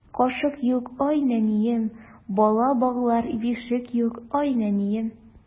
Кашык юк, ай нәнием, Бала баглар бишек юк, ай нәнием.